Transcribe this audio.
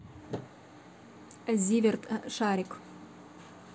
zivert шарик